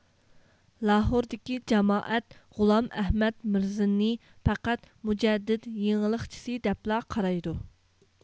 لاھوردىكى جامائەت غۇلام ئەھمەد مىرزىنى پەقەت مۇجەدىد يېڭىلىقچىسى دەپلا قارايدۇ